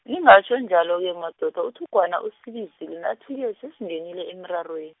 ningatjho njalo ke madoda uThugwana usibizile, nathi ke, sesingenile emrarweni.